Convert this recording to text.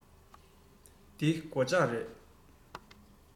འདི སྒོ ལྕགས རེད